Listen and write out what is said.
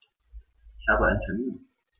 Ich habe einen Termin.